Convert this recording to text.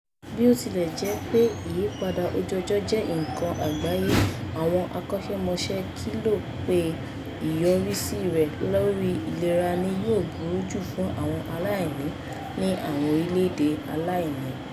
Bí ó tilẹ̀ jẹ́ pé ìyípadà ojú ọjọ́ jẹ́ nǹkan àgbáyé, awọn akọ́ṣẹ́mọṣẹ́ kìlọ̀ pé ìyọrísí rẹ̀ lórí ìlera ni yóò burú jù fún àwọn aláìní ní àwọn orílẹ́ èdè aláìní.